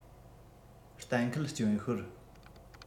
གཏན འཁེལ རྐྱོན ཤོར